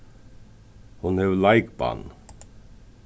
hon hevur leikbann